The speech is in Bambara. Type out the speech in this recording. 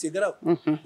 Tigara unhun